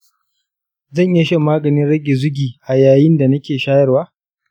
zan iya shan maganin rage zugi a yayin sa nake shayarwa